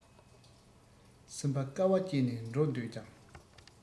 སེམས པ དཀའ བ སྤྱད ནས འགྲོ འདོད ཀྱང